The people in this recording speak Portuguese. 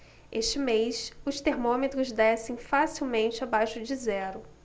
este mês os termômetros descem facilmente abaixo de zero